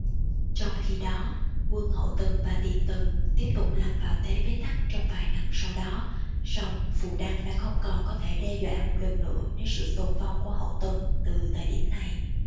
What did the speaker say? trong khi đó quân hậu tần và tiền tần tiếp tục lâm vào thế bế tắc trong vài năm sau đó song phù đăng đã không còn có thể đe dọa một lần nữa đến sự tồn vong của hậu tần từ thời điểm này